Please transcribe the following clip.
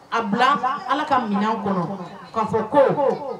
A bila ala ka minɛnyan kɔnɔ k ka fɔ ko